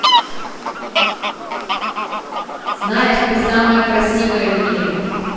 знаешь ты самая красивая в мире